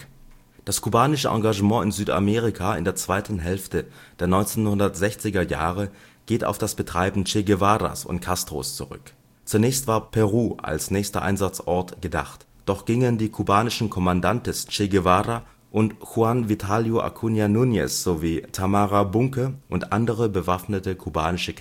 kubanische Engagement in Südamerika in der zweiten Hälfte der 1960er Jahre geht auf das Betreiben Che Guevaras und Castros zurück. Zunächst war Peru als nächster Einsatzort gedacht, doch gingen die kubanischen Comandantes Che Guevara und Juan Vitalio Acuña Núñez sowie Tamara Bunke und andere bewaffnete kubanische